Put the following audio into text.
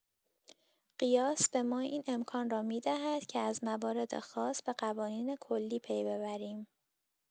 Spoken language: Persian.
قیاس به ما این امکان را می‌دهد که از موارد خاص به قوانین کلی پی ببریم.